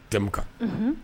jɛmu kan, unhun